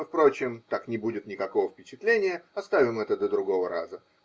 Впрочем, так не будет никакого впечатления; оставим это до другого раза.